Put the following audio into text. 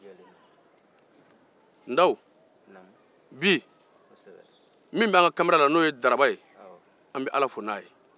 ndawo bi min b'an ka kamera la n'o ye daraba an bɛ ala fo n'a ye